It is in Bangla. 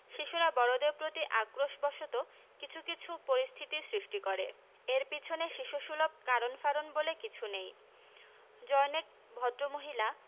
শিশুরা বড়দের প্রতি আক্রোশ বসত কিছু কিছু পরিস্থিতির সৃষ্টি করে এর পেছনে শিশুসুলভ কারন ফারন বলে কিছু নেই জনৈক ভদ্রমহিলা